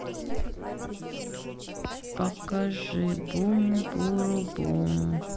покажи бум бурум